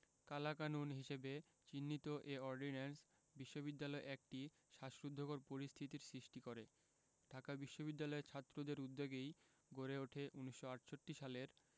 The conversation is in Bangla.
কালাকানুন হিসেবে চিহ্নিত এ অর্ডিন্যান্স বিশ্ববিদ্যালয়ে একটি শ্বাসরুদ্ধকর পরিস্থিতির সৃষ্টি করে ঢাকা বিশ্ববিদ্যালয়ের ছাত্রদের উদ্যোগেই গড়ে উঠে ১৯৬৮ সালের